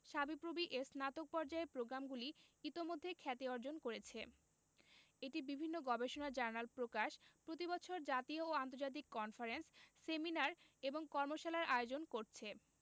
সাবিপ্রবি এর স্নাতক পর্যায়ের প্রগ্রামগুলি ইতোমধ্যে খ্যাতি অর্জন করেছে এটি বিভিন্ন গবেষণা জার্নাল প্রকাশ প্রতি বছর জাতীয় এবং আন্তর্জাতিক কনফারেন্স সেমিনার এবং কর্মশালার আয়োজন করছে